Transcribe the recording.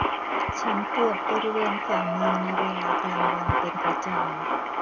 ฉันปวดบริเวณฝ่ามือในเวลากลางวันเป็นประจำ